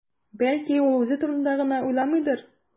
Бәлки, ул үзе турында гына уйламыйдыр?